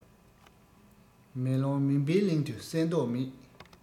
མེ ལོང མུན པའི གླིང དུ གསལ མདོག མེད